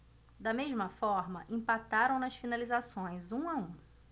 da mesma forma empataram nas finalizações um a um